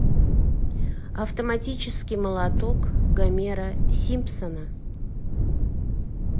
автоматический молоток гомера симпсона